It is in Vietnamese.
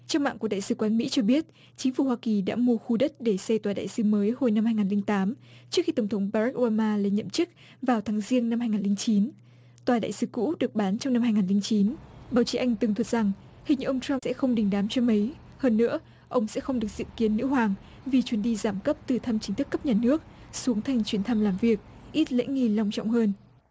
trang mạng của đại sứ quán mỹ cho biết chính phủ hoa kỳ đã mua khu đất để xây tòa đại sứ mới hồi năm hai ngàn linh tám trước khi tổng thống ba rắc ô ba ma lên nhậm chức vào tháng giêng năm hai ngàn linh chín tòa đại sứ cũ được bán trong năm hai ngàn linh chín báo chí anh tường thuật rằng hình như ông troăm sẽ không đình đám trên mấy hơn nữa ông sẽ không được dự kiến nữ hoàng vì chuyến đi giảm cấp từ thăm chính thức cấp nhà nước xuống thành chuyến thăm làm việc ít lễ nghi long trọng hơn